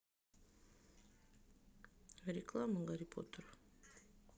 реклама гарри поттера